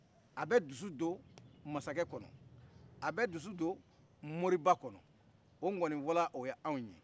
a bɛ dusu don maskɛ kɔnɔ a bɛ dusu don moriba kɔnɔ o ŋɔni fɔla o y'anw ye